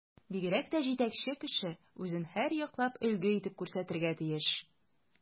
Бигрәк тә җитәкче кеше үзен һәрьяклап өлге итеп күрсәтергә тиеш.